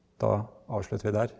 da avslutter vi der.